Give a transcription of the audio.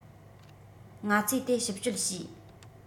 ང ཚོས དེ ཞིབ གཅོད བྱས